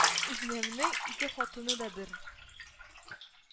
Изнәмнең ике хатыны да бер